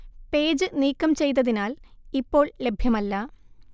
page നീക്കം ചെയ്തതിനാൽ ഇപ്പോൾ ലഭ്യമല്ല